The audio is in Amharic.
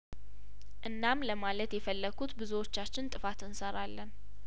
እናም ለማለት የፈለኩት ብዙዎቻችን ጥፋት እንሰራለን